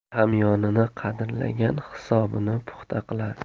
hamyonini qadrlagan hisobini puxta qilar